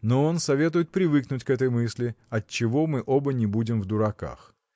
но он советует привыкнуть к этой мысли отчего мы оба не будем в дураках.